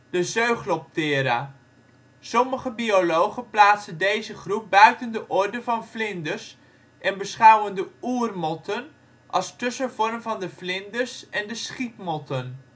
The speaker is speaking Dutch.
de Zeugloptera. Sommige biologen plaatsen deze groep buiten de orde van vlinders en beschouwen de oermotten als tussenvorm van de vlinders en de schietmotten